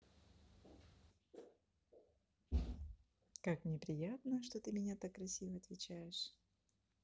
как мне приятно что ты меня так красиво отвечаешь